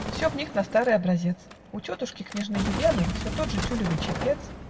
Все в них на старый образец: У тетушки княжны Елены Все тот же тюлевый чепец